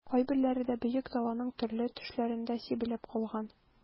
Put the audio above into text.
Каберләре дә Бөек Даланың төрле төшләрендә сибелеп калган...